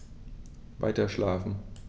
Weiterschlafen.